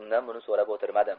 undan buni so'rab o'tirmadim